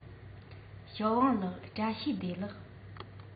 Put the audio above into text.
ཞའོ ཝང ལགས བཀྲ ཤིས བདེ ལེགས